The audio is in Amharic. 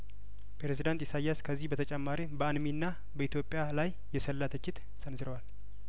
ፕሬዝዳንት ኢሳያስ ከዚህ በተጨማሪም በአንሚና በኢትዮጵያ ላይ የሰላ ትችት ሰንዝረዋል